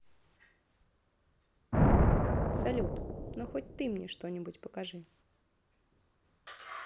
салют ну хоть ты мне что нибудь покажи